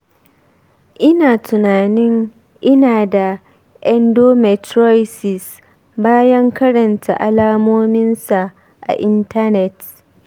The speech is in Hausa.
ina tunanin ina da endometriosis bayan karanta alamominsa a intanet.